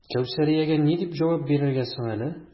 Кәүсәриягә ни дип җавап бирергә соң әле?